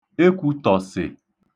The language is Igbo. Ekwūtọ̀sị̀